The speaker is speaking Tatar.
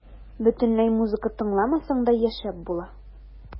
Бөтенләй музыка тыңламасаң да яшәп була.